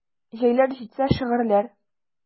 Җәйләр җитсә: шигырьләр.